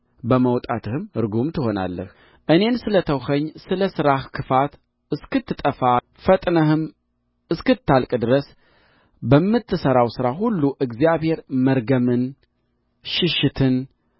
በመውጣትህም ርጉም ትሆናለህ እኔን ስለ ተውኸኝ ስለ ሥራህ ክፋት እስክትጠፋ ፈጥነህም እስክታልቅ ድረስ በምትሠራው ሥራ ሁሉ እግዚአብሔር መርገምን ሽሽትን